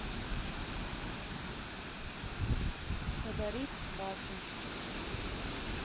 подарить батю